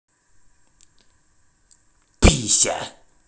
пися